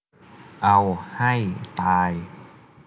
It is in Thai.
เอาให้ตาย